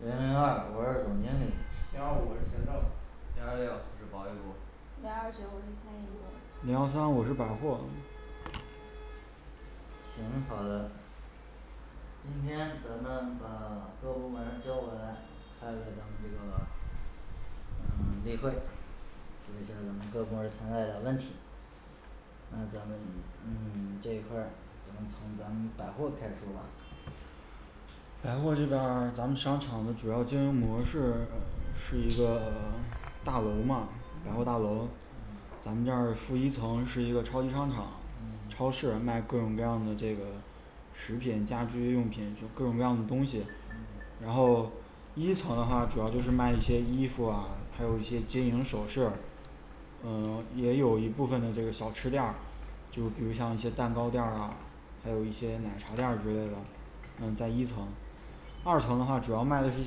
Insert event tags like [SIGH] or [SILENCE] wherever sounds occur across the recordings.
零零二我是总经理零二五我是行政零二六我是保卫部零二九我是餐饮部零幺三我是百货行好的今天咱们把各部门儿叫过来开个咱们这个嗯 [SILENCE] 例会说一下儿咱们各部门儿存在的问题那咱们嗯 [SILENCE] 这一块儿咱们从咱们百货开始说吧百货这边儿咱们商场的主要经营模式呃是一个 [SILENCE] 大楼嘛百货大嗯楼，咱嗯们这儿负一层是一个超级商场嗯超市卖各种各样的这个食品家居用品各种各样的东西嗯然后一层的话主要就是卖一些衣服啊，还有一些金银首饰嗯 [SILENCE] 也有一部分呢这个小吃店儿就比如像一些蛋糕店儿了还有一些奶茶店儿之类的那在一层二层的话主要卖的一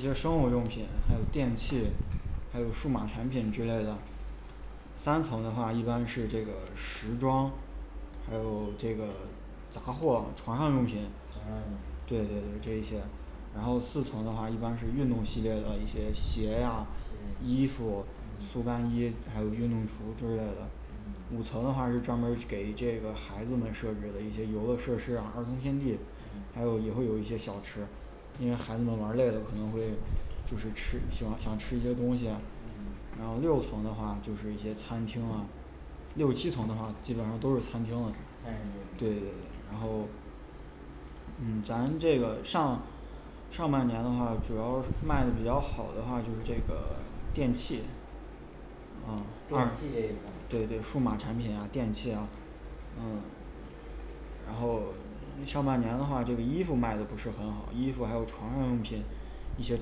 些生活用品，还有电器还有数码产品之类的三层的话一般是这个时装还有这个杂货床上用品床上用对对品对这一些然后四层的话一般是运动系列的一些鞋呀衣服速嗯干衣还有运动服儿之类的，五嗯层的话是专门儿给这个孩子们设置的一些游乐设施啊儿童天地还嗯有以后有一些小吃因为孩子们玩儿累了可能会就是吃喜欢想吃一些东西呀嗯然后六层的话就是一些餐厅了六七层的话基本上都是餐厅了餐饮部对对对门儿然后嗯咱这个上上半年的话主要卖的比较好的话就是这个电器啊对对电器这一对对数块码儿产品啊电器啊啊然后上半年的话这个衣服卖的不是很好，衣服还有床上用品一些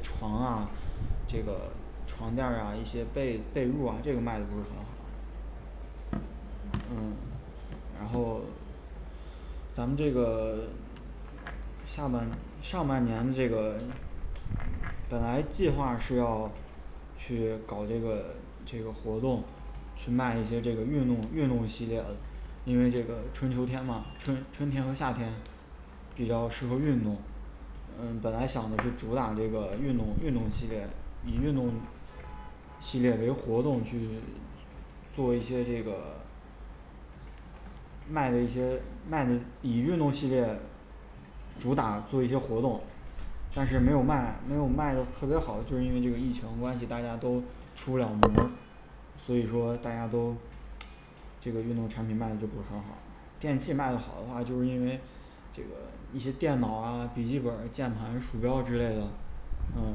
床啊这个床垫儿啊一些被被褥啊这个卖的不是很好嗯嗯然后咱们这个 [SILENCE] 下半上半年的这个本来计划是要去搞这个这个活动去卖一些这个运动运动系列呃的因为这个春秋天嘛，春春天和夏天，比较适合运动呃本来想的是主打这个运动运动系列以运动系列为活动去做一些这个卖的一些卖的以运动系列主打做一些活动但是没有卖没有卖的特别好就是因为这个疫情的关系大家都出不了门儿所以说大家都这个运动产品卖的就不是很好电器卖的好的话就是因为这个一些电脑啊，笔记本儿键盘鼠标之类的，呃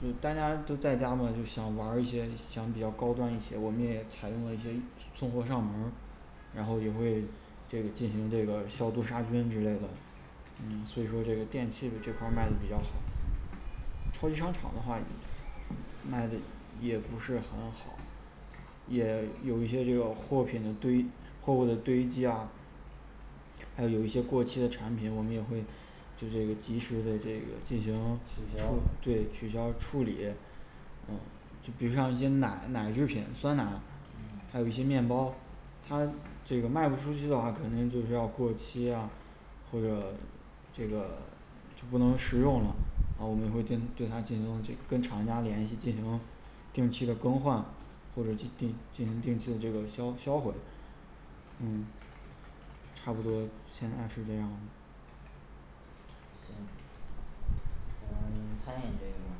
就大家都在家嘛就想玩儿一些，想比较高端一些，我们也采用了一些送货上门儿然后也会这个进行这个消毒杀菌之类的嗯 [SILENCE] 所以说这个电器呢这块儿卖的比较好超级商场的话卖的也不是很好也有一些这个货品的堆货物的堆积啊还有一些过期的产品我们也会就会及时的这个进行取处消对取消处理嗯就比如像一些奶奶制品、酸奶还有一嗯些面包它这个卖不出去的话肯定就是要过期呀或者这个就不能食用了然后我们会定对它进行跟厂家联系，进行定期的更换或者进定进行定期的这个销销毁嗯差不多现在是这样子行咱餐饮这一块儿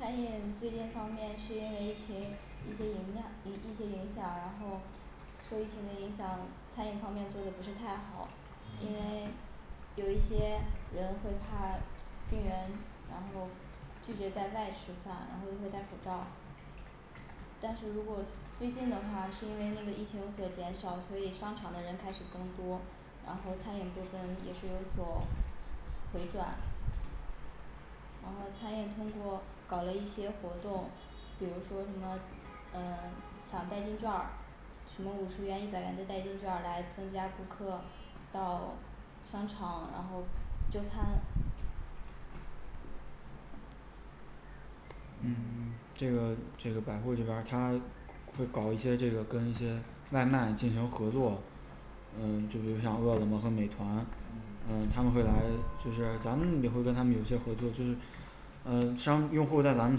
餐饮最近方面是因为疫情一些影样一一些影响，然后受疫情的影响餐饮方面做的不是太好因为嗯有一些人会怕病源然后拒绝在外吃饭，然后都会戴口罩但是如果最 [UNINTELLIGIBLE] 最近的话是因为那个疫情有所减少，所以商场的人开始增多然后餐饮部分也是有所回转然后餐饮通过搞了一些活动比如说什么嗯 [SILENCE] 抢代金劵儿什么五十元一百元的代金劵儿来增加顾客到商场然后就餐嗯这个这个百货这边儿他会搞一些这个跟一些外卖进行合作嗯就比如像饿了么和美团嗯嗯他们会来就是咱们也会跟他们有些合作就是嗯商用户在咱们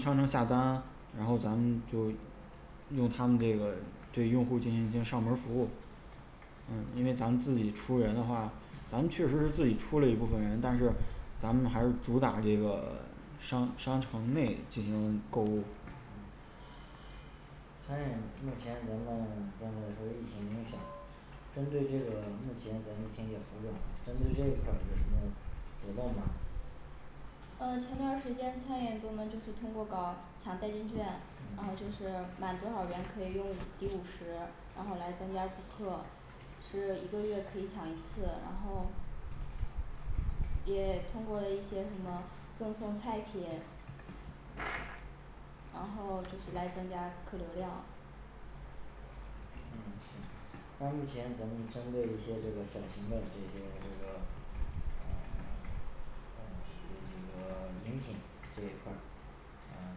商城下单然后咱们就用他们这个这对用户进行上门儿服务嗯因为咱们自己出人的话咱们确实自己出了一部分人但是咱们还是主打这个商商城内进行购物餐饮目前咱们刚才说疫情影响针对这个目前咱们以前的合作，针对这一块儿有什么活动吗呃前段儿时间餐饮部门就是通过搞抢代金劵然后就嗯是满多少元可以用五抵五十然后来增加顾客是一个月可以抢一次，然后也通过了一些什么赠送菜品然后就是来增加客流量嗯行那目前咱们针对一些这个小型的这些这个啊 [SILENCE] 啊就这个饮品这一块儿啊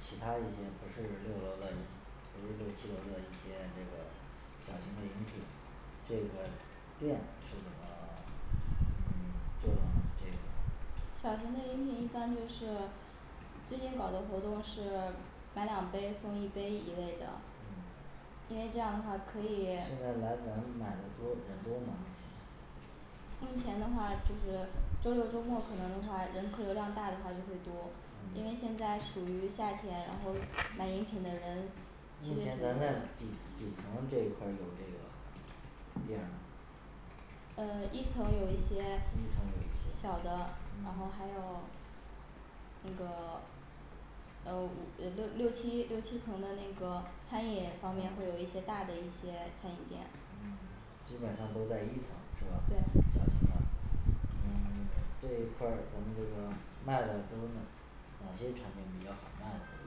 其它一些不是六楼的一不是六七楼的一些这个小型的饮品这个店是怎么嗯做的呢这一块儿小型的饮品一般就是最近搞的活动是买两杯送一杯一类的嗯因为这样的话可以现在来咱们买的多人多吗目前目前的话就是周六周末可能的话，人客流量大的话就会多因为现嗯在属于夏天然后买饮品的嗯人目前咱在几几层这一块儿有这个店儿呢啊一层有一一层有一些些嗯小的然后还有那个 [SILENCE] 呃五嗯六六七六七层的的那个餐饮方面会有一些大的一些餐饮店嗯 [SILENCE] 基本上都在一层是吧对小型的嗯 [SILENCE] 这一块儿咱们这个卖的都有哪哪些产品比较好卖呢这一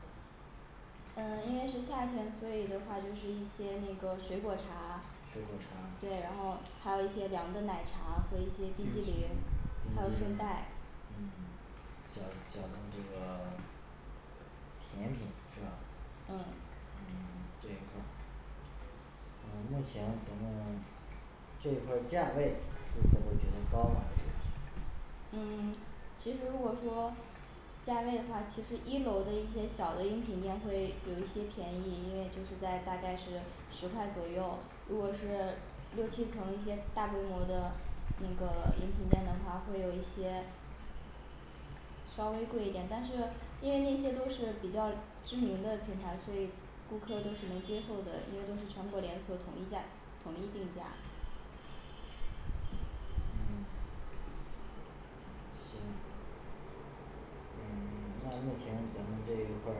块儿嗯因为是夏天，所以的话就是一些那个水果茶水果茶对然后还有一些凉的奶茶和一些冰激淋还冰有激圣淋代嗯小小的这个甜品是吧呃嗯 [SILENCE] 这一块儿啊目前咱们这一块儿价位顾客都觉得高吗这一块儿嗯 [SILENCE] 其实如果说价位的话其实一楼的一些小的饮品店会有一些便宜，因为就是在大概是十块左右。如果是六七层一些大规模的那个饮品店的话，会有一些稍微贵一点，但是因为那些都是比较知名的品牌，所以顾客都是能接受的，因为都是全国连锁统一价，统一定价嗯 [SILENCE] 行嗯 [SILENCE] 那目前咱们这一块儿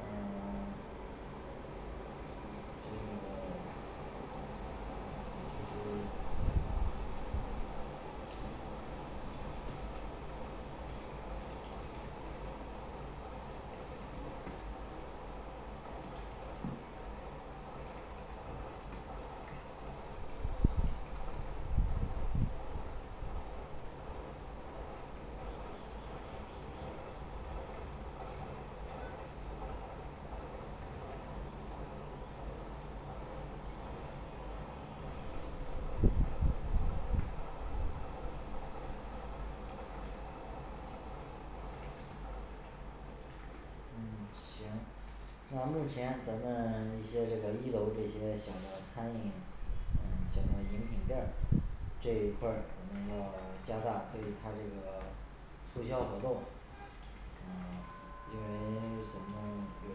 呃 [SILENCE] 这个 [SILENCE] 呃 [SILENCE] 就是嗯行那目前咱们一些这个一楼这些小的餐饮嗯小的饮品店儿这一块儿咱们要加大对于它这个促销活动嗯 [SILENCE] 因为咱们有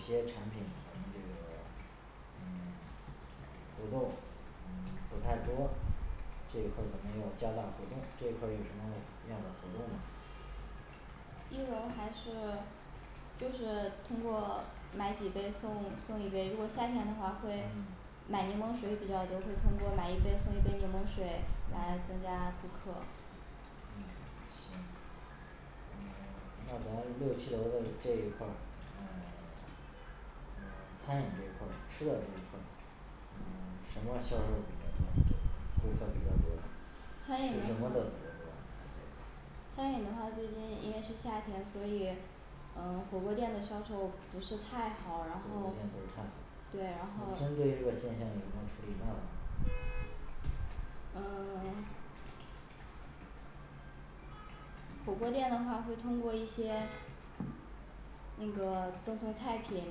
些产品咱们这个嗯 [SILENCE] 活动嗯 [SILENCE] 不太多这一块儿咱们要加大活动，这一块儿有什么样的活动吗一楼还是就是通过买几杯送送一杯，如果夏天的话会嗯买柠檬水比较多会通过买一杯送一杯柠檬水来增加顾客嗯行嗯 [SILENCE] 那咱六七楼的这一块儿呃 [SILENCE] 嗯 [SILENCE] 餐饮这一块儿吃的这一块儿嗯 [SILENCE] 什么销售比较多呢这一块儿顾客比较多呢，吃餐饮的什话么的比较多呢咱餐这饮一的块话儿最近因为是夏天所以呃火锅店的销售不火锅店不是是太太好好，然后对然后那针对这个现象有没有处理办法吗呃 [SILENCE] 火锅店的话会通过一些那个赠送菜品，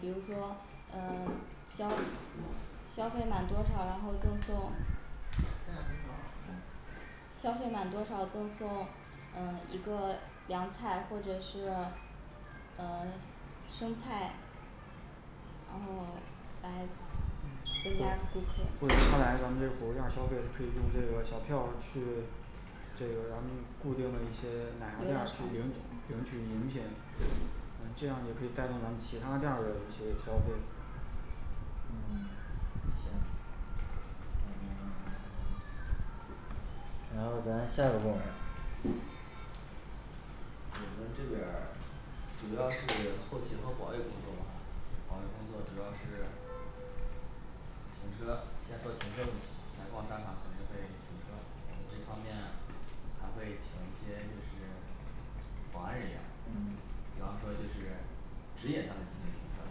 比如说呃消消费满多少，然后赠送消费满多少赠送呃一个凉菜或者是呃 [SILENCE] 生菜然后或来增加顾客或者是他来咱们这个火锅店儿消费他可以用这个小票儿去这个咱们固定的一些奶茶店儿去领取领取饮品嗯这样也可以带动咱们其他店儿的一些消费嗯 [SILENCE] 行嗯 [SILENCE] 然后咱下个部门儿我们这边儿主要是后勤和保卫工作嘛这保卫工作主要是停车先说停车问题来逛商场肯定会停车我们这方面还会请一些就是保安人员嗯比方说就是指引他们进行停车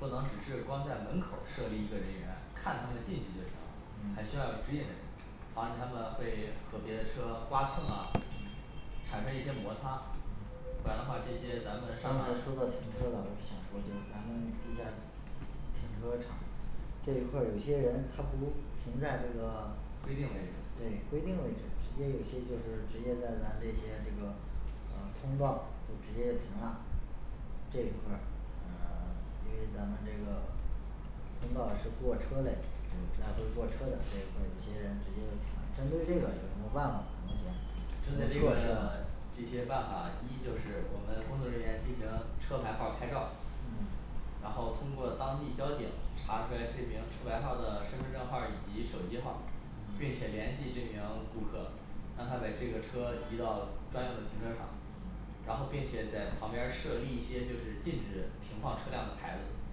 不能只是光在门口儿设立一个人员看他们进去就行了还需要有指引的人防止他们会和别的车刮蹭啊产生一些摩擦不然的话这些咱们的商刚场才说到停车了就想说就是咱们地下停车场这一块儿有些人他不会停在这个规定位置对规定位置也有一些就是直接在咱这些这个嗯通道就直接就停了这一块儿啊 [SILENCE] 因为咱们这个通道是过车嘞对来回过车的这一块儿有些人直接就停了，针对这个怎么办呢目前针对这有个措施这吗些办法一就是我们工作人员进行车牌号儿拍照儿嗯然后通过当地交警查出来这名车牌号儿的身份证号儿以及手机号儿并且嗯联系这名顾客让他把这个车移到专用的停车场嗯然后并且在旁边儿设立一些就是禁止停放车辆的牌子嗯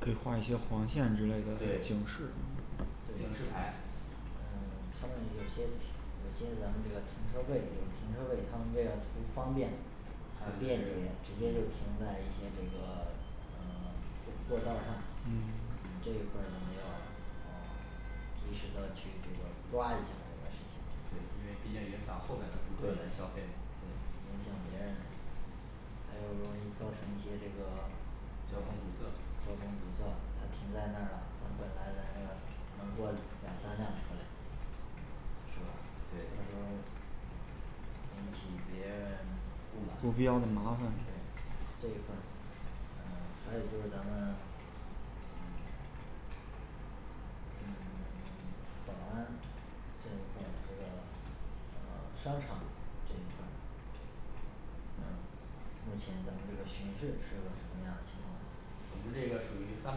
可以画一些黄线之类的警对示警示牌嗯他们有些停有些咱们这个停车位有停车位他们为了图方便还图便有捷就直接是就停嗯在一些这个嗯 [SILENCE] 过过道儿上这一块儿我们要呃及时的去这个抓一下儿这个事情对因为毕竟影响后面的顾对客对影来消响费嘛别人还有容易造成一些这个交通堵塞交通堵塞他停在那儿了它本来咱这儿能过两三辆车嘞是吧到对时候儿引起别人不不对必对要满的麻烦这一块儿啊还有就是咱们嗯 [SILENCE] 嗯 [SILENCE] 保安这一块儿这个啊商场这一块儿嗯目前咱们这个巡视是个什么样的情况我呢们这个属于三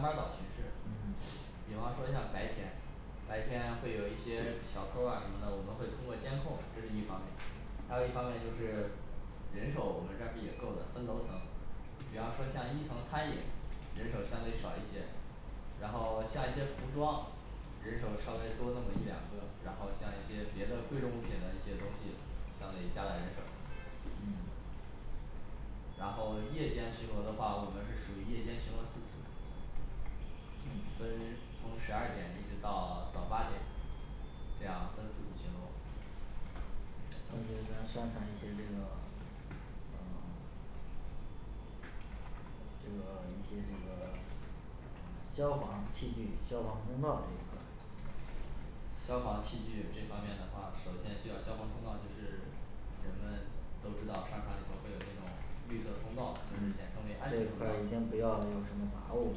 班儿倒巡视嗯 [CROSSTALK] 比方说像白天白天会有一些小偷儿啊什么的，我们会通过监控，这是一方面还有一方面就是人手我们暂时也够了分楼层比方说像一层餐饮，人手儿相对少一些然后像一些服装人手儿稍微多那么一两个，然后像一些别的贵重物品的一些东西，相对于加大人手儿嗯然后夜间巡逻的话，我们是属于夜间巡逻四次分嗯从十二点一直到早八点这样分四次巡逻可以给他宣传一些这种呃 [SILENCE] 这个一些这个呃消防器具消防通道这一块儿消防器具这方面的话，首先需要消防通道就是人们都知道商场里头会有那种绿色通道，就是简称为安这全一通块儿一道定不要有什么杂物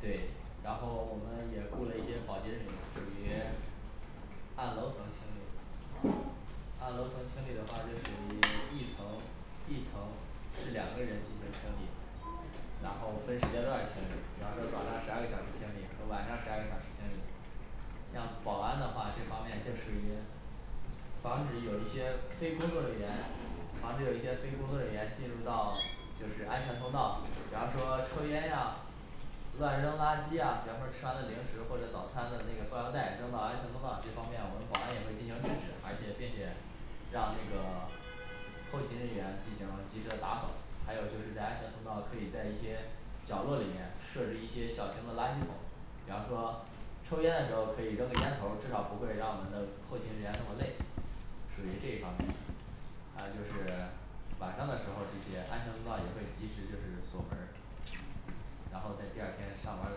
对，然后我们也雇了一些保洁人员，属于 [SILENCE] 按楼层清理按楼层清理的话就属于一层一层是两个人进行清理然后分时间段儿清理比方说早上十二个小时清理和晚上十二个小时清理像保安的话，这方面就属于防止有一些非工作人员防止有一些非工作人员进入到就是安全通道，比方说抽烟呀乱扔垃圾呀比方说吃完的零食或者早餐的那个塑料袋扔到安全通道，这方面，我们保安也会进行制止，而且并且让那个后勤人员进行及时的打扫，还有就是在安全通道可以在一些角落里面设置一些小型的垃圾桶，比方说抽烟的时候儿可以扔个烟头儿，至少不会让我们的后勤人员那么累属于这方面还有就是晚上的时候这些安全通道也会及时就是锁门儿然后在第二天上班儿的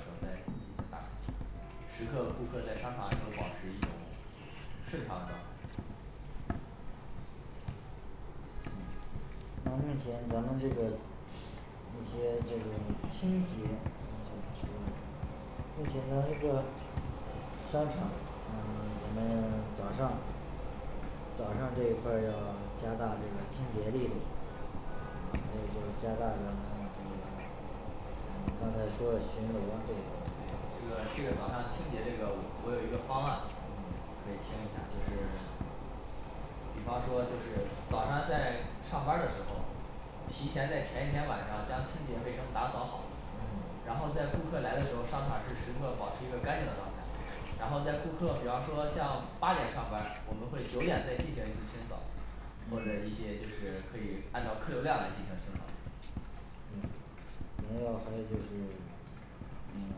时候儿再进行打开时刻顾客在商场的时候儿保持一种顺畅的状态那目前咱们这个 [CROSSTALK] 一些这个清洁刚才说嘞目前咱那个商场嗯咱们早上早上这一块儿要加大这个清洁力度嗯还有就是加大咱们嗯这个嗯，刚才说了巡逻这一块对这儿个这个早上清洁这个我我有一个方案可以听一下就是比方说就是早上在上班儿的时候提前在前一天晚上将清洁卫生打扫好然后嗯在顾客来的时候儿，商场是时刻保持一个干净的状态然后在顾客比方说像八点上班儿，我们会九点再进行一次清扫或者一些就是可以按照客流量来进行清扫对咱要还有就是嗯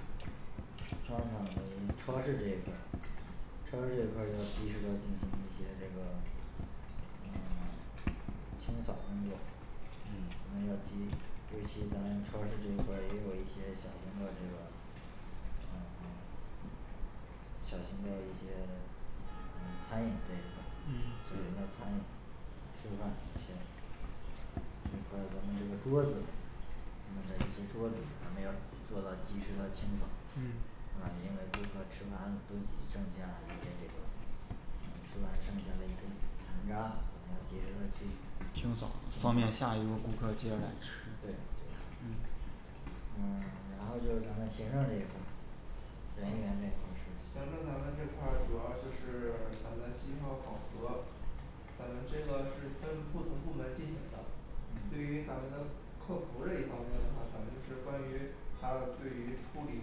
[SILENCE] 商场的超市这一块儿超市这一块儿要及时的进行一些这个嗯 [SILENCE] 清 [UNINTELLIGIBLE] 清扫工作咱们，嗯咱们要及尤其咱超市这一块儿也有一些小型的这个嗯 [SILENCE] 嗯小型的一些嗯餐饮这一块儿嗯对那餐饮吃饭有些这一块儿咱们这个桌子咱们的一些桌子咱们要做到及时的清扫嗯嗯吃完剩下嘞一些残渣我们要及时地去清扫吃完剩下的一些残渣我们要及时地去清扫方便下一桌儿顾客接着来吃对这一块儿是嗯嗯 [SILENCE] 然后就是咱们行政这一块儿人员这一行块儿政咱们这块儿主要就是咱们绩效考核咱们这个是分不同部门进行的，对于咱嗯们的客服这一方面的话，咱们就是关于还有对于处理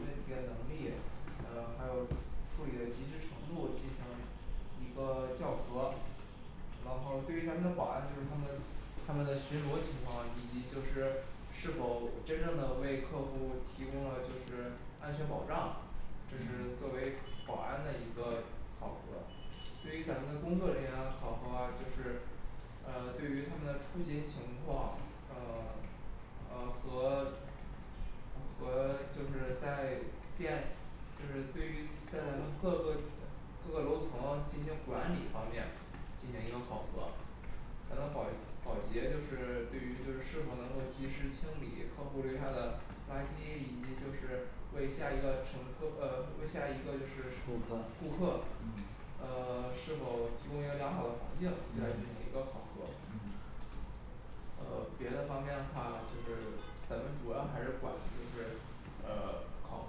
问题的能力呃还有处处理的及时程度进行一个校核然后对于咱们的保安就是他们他们的巡逻情况，以及就是是否真正的为客户提供了就是安全保障。这是作为保安的一个考核对于咱们的工作人员考核，就是啊对于他们的出勤情况呃 [SILENCE] 呃和和 [SILENCE] 就是在店就是对于在咱们各个各个楼层进行管理方面进行一个考核咱们保保洁就是对于就是是否能够及时清理客户儿留下的垃圾，以及就是为下一个乘客呃为下一个就是顾顾客客嗯呃是否提供一个良好的环境会来进行嗯一个考核嗯哦别的方面的话就是咱们主要还是管就是呃 [SILENCE] 考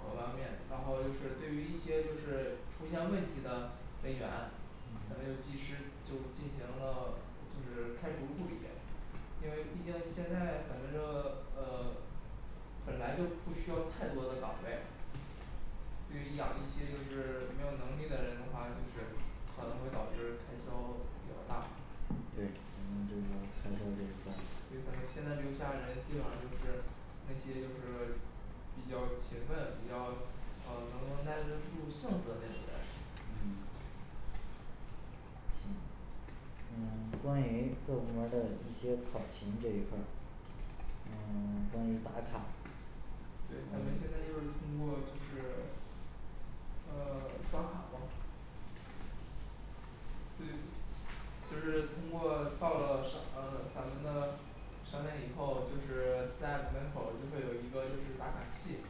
核方面的，然后就是对于一些就是出现问题的人员咱们就及时就进行了就是开除处理因为毕竟现在咱们这个呃 [SILENCE] 本来就不需要太多的岗位对于养一些就是没有能力的人的话，就是可能会导致开销比较大对咱们这个开销这一块儿对咱们现在留下的人基本上就是那些就是比较勤奋，比较啊能耐得住性子的那种人嗯 [SILENCE] 行嗯关于各部门儿的一些考勤这一块儿嗯 [SILENCE] 关于打卡对咱还有们现在就是通过就是呃 [SILENCE] 刷卡吧对就是通过到了商呃咱们的商店以后，就是在门口儿就会有一个就是打卡器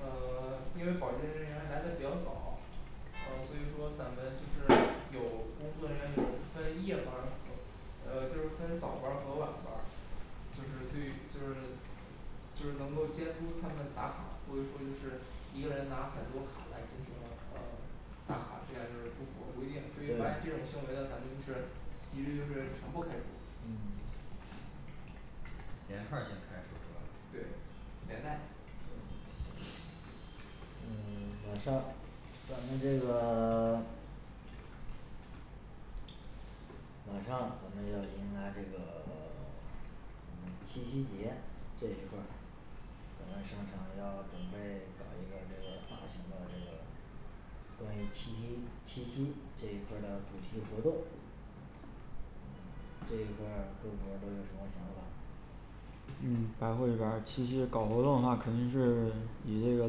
呃 [SILENCE] 因为保洁人员来的比较早啊所以说咱们就是有工作人员有分夜班儿和呃就是分早班儿和晚班儿就是对就是就是能够监督他们打卡，所以说就是一个人拿很多卡来进行呃打卡这样就是不符合规定对于发现这种行为了咱们就是一致就是全部开除嗯连串儿性开除是吧对连带行嗯马上咱们这个 [SILENCE] 马上咱们要迎来这个 [SILENCE] 嗯七夕节这一块儿咱们商场还要准备搞一个比较大型的这个关于七夕七夕这一块儿的主题活动这一块儿各部门儿都有什么想法嗯百货这边儿七夕搞活动的话，肯定是以这个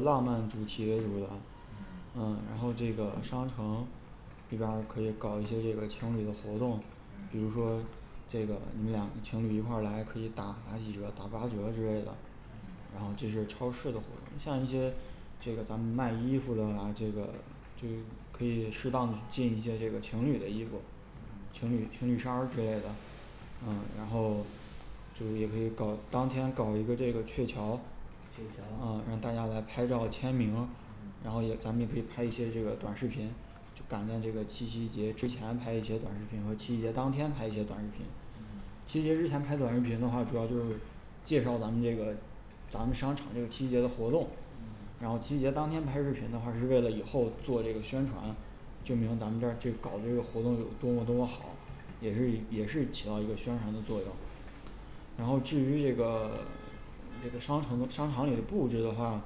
浪漫主题的这个啊嗯然后这个商城这边儿可以搞一些这个情侣的活动，比如嗯说这个你们俩情侣一块儿来可以打打几折打八折之类的然后这就是超市的活动像一些这个咱们卖衣服的话，这个就可以适当的进一些这个情侣的衣服嗯情侣情侣衫儿之类的嗯然后这里也可以搞当天搞一个这个鹊桥鹊呃桥让大家来拍照签名然后也咱嗯们可以拍一些这个短视频，赶在这个七夕节之前拍一些短视频和七夕节当天拍一些短视频七夕节嗯之前拍短视频的话，主要就是介绍咱们这个咱们商场这个七夕节的活动然嗯后七夕节当天拍视频的话是为了以后做这个宣传就比如咱们这儿这搞这个活动多么多么好也是也是起到一个宣传的作用然后至于这个这个商城商场里布置的话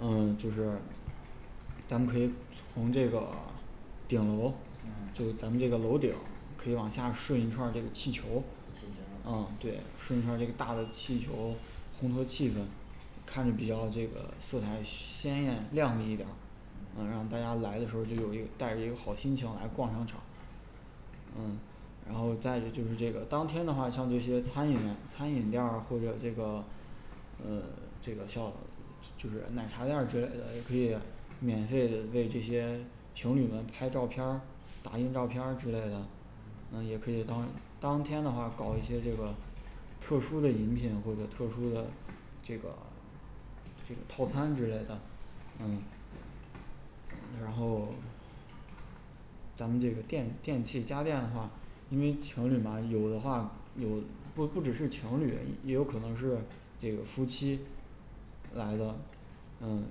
呃就是咱们可以从这个顶楼就是咱嗯们这个楼顶可以往下顺一串儿这个气球气儿啊球儿对顺一串儿这个大的气球烘托气氛看着比较这个色彩鲜艳亮丽一点儿晚嗯上大家来的时候儿就有一个带着一个好心情来逛商场嗯然后再就是这个当天的话像这些餐饮餐饮店儿或者这个嗯这个像就是奶茶店儿之类的也可以免费的为这些情侣们拍照片儿，打印照片儿之类的啊也嗯可以当当天的话搞一些这个特殊的饮品或者特殊的这个这个套餐之类的嗯然后咱们这个电电器家电的话因为情侣嘛有的话有不不止是情侣，也有可能是这个夫妻来的嗯